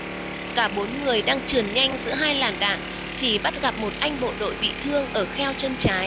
cả bốn người đang trườn nhanh giữa hai làn đạn thì bắt gặp một anh bộ đội bị thương ở kheo chân trái